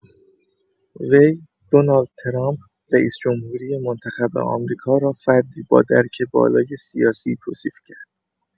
وی، دونالد ترامپ، رئیس‌جمهوری منتخب آمریکا را فردی با «درک بالای سیاسی» توصیف کرد.